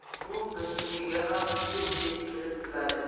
u biznikiga ham tez tez kelib turadi